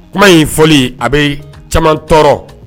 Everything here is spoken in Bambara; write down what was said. Kuma in foli a bɛ caman tɔɔrɔ